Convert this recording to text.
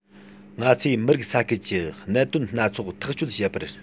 ང ཚོས མི རིགས ས ཁུལ གྱི གནད དོན སྣ ཚོགས ཐག གཅོད བྱེད པར